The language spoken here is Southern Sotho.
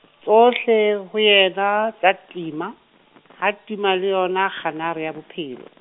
tsohle, ho yena, tsa tima, ha tima le yona kganare ya bophelo.